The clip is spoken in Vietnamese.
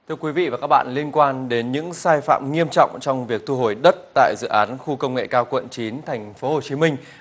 thưa quý vị và các bạn liên quan đến những sai phạm nghiêm trọng trong việc thu hồi đất tại dự án khu công nghệ cao quận chín thành phố hồ chí minh